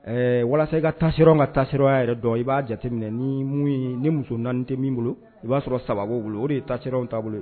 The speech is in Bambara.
Ɛɛ walasa i ka taasi ka taasi an yɛrɛ dɔn i b'a jateminɛ ni mun ni muso naani tɛ min bolo i b'a sɔrɔ sababu bolo o de ye tasiw t taaboloa bolo